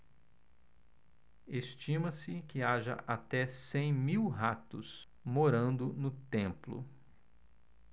estima-se que haja até cem mil ratos morando no templo